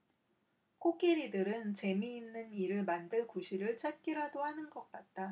코끼리들은 재미있는 일을 만들 구실을 찾기라도 하는 것 같다